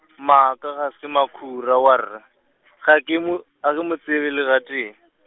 maaka ga se makhura warra, ga ke mo, a ke mo tsebe le ga tee .